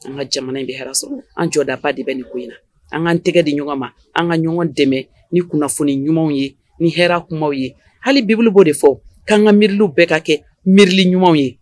An ka jamana in bɛ hɛrɛ sɔrɔ an jɔ dafa de bɛ nin ko in na an kaan tɛgɛ di ɲɔgɔn ma an ka ɲɔgɔn dɛmɛ ni kunnafoni ɲumanw ye ni h kuma ye hali biele bɔ de fɔ k'an ka miiririw bɛɛ ka kɛ miirili ɲumanw ye